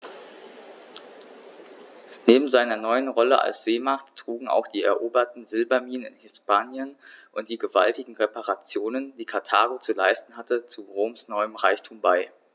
Neben seiner neuen Rolle als Seemacht trugen auch die eroberten Silberminen in Hispanien und die gewaltigen Reparationen, die Karthago zu leisten hatte, zu Roms neuem Reichtum bei.